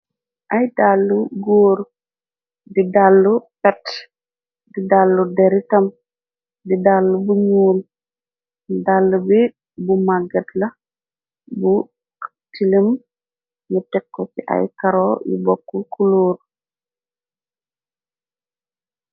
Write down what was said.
ay dàllu góore di dàllu pect di dallu deritam di dall bu ñuul dàll bi bu maggat la bu tilim nu tekko ci ay karo yu bokku kuluoru